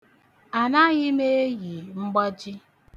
Anaghị m eyi mgbaji.